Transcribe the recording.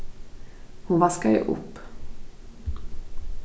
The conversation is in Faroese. hon vaskaði upp